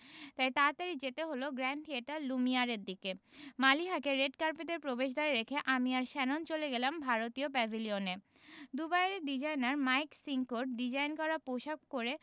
তাই তাড়াতাড়ি যেতে হলো গ্র্যান্ড থিয়েটার লুমিয়ারের দিকে মালিহাকে রেড কার্পেটের প্রবেশদ্বারে রেখে আমি আর শ্যানন চলে গেলাম ভারতীয় প্যাভিলিয়নে দুবাইয়ের ডিজাইনার মাইক সিঙ্কোর ডিজাইন করা পোশাক করে